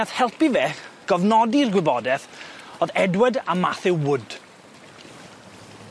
nath helpu fe gofnodi'r gwybodeth o'dd Edward a Matthew Wood.